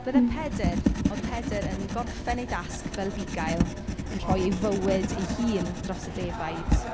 Byddai Pedr... oedd Pedr yn gorffen ei dasg fel bugail yn rhoi ei fywyd ei hun dros y defaid.